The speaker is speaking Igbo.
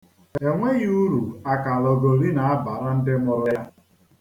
E nweghị uru àkàlòògòli na-abara ndị mụrụ ya.